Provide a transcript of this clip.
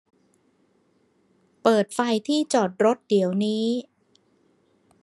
เปิดไฟที่จอดรถเดี๋ยวนี้